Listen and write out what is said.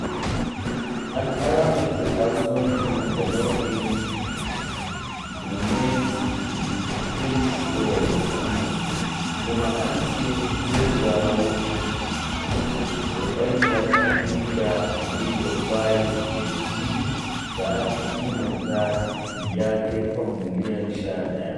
An alaƙanta kasuwancin ga nau’in Gwyneth Paltrow's Goop kuma an ce zai jawo ruɓanyar abin da Willoughby's ke da shi da aka kimanta ya kai Fam miliyan 11.